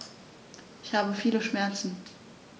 Ich habe viele Schmerzen.